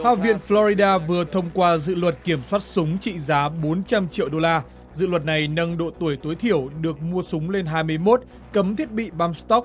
học viên phờ lo ri đa vừa thông qua dự luật kiểm soát súng trị giá bốn trăm triệu đô la dự luật này nâng độ tuổi tối thiểu được mua súng lên hai mươi mốt cấm thiết bị băm sờ tóc